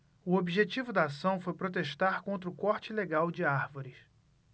o objetivo da ação foi protestar contra o corte ilegal de árvores